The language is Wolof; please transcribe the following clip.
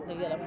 wax dëgg yàlla